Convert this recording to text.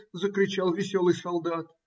- закричал веселый солдат.